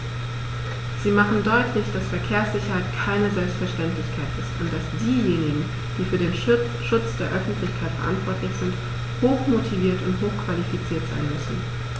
Sie machen deutlich, dass Verkehrssicherheit keine Selbstverständlichkeit ist und dass diejenigen, die für den Schutz der Öffentlichkeit verantwortlich sind, hochmotiviert und hochqualifiziert sein müssen.